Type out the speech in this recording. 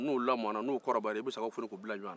ni u lamɔna ni u kɔrɔbaya la i b'u foni ka bila ɲɔgɔn na